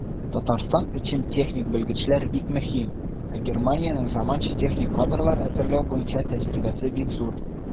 Татарстан өчен техник белгечлекләр бик мөһим, ә Германиянең заманча техник кадрлар әзерләү буенча тәҗрибәсе бик зур.